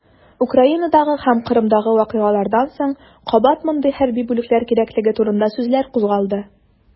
Украинадагы һәм Кырымдагы вакыйгалардан соң кабат мондый хәрби бүлекләр кирәклеге турында сүзләр кузгалды.